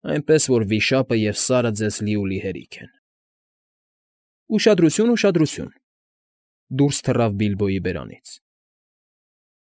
Այնպես որ Վիշապը և Սարը ձեզ լիուլի հերիք են։ ֊ Ուշադրություն, ուշադրություն,֊ դուրս թռավ Բիբլոյի բերանից։ ֊